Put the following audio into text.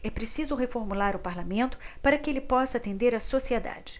é preciso reformular o parlamento para que ele possa atender a sociedade